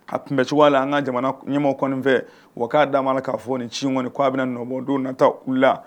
A tun bɛ cogo la an ka jamana ɲɛw kɔni fɛ wa k'a d' mana la k'a fɔ ni ci kɔni ko'a bɛna nɔbondon na taa u la